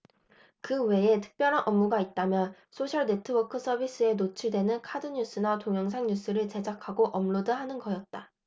그 외에 특별한 업무가 있다면 소셜네트워크서비스에 노출되는 카드뉴스나 동영상뉴스를 제작하고 업로드하는 거였다